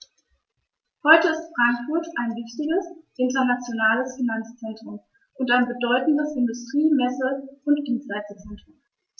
Heute ist Frankfurt ein wichtiges, internationales Finanzzentrum und ein bedeutendes Industrie-, Messe- und Dienstleistungszentrum.